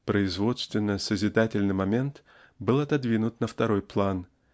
производственно-созидательный момент был отодвинут на второй план